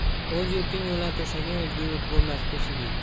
o'z yurting o'lan to'shaging o'zga yurt bo'lmas beshiging